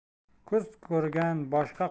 ko'z ko'rgan boshqa